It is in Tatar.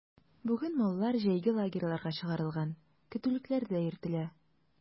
Бүген маллар җәйге лагерьларга чыгарылган, көтүлекләрдә йөртелә.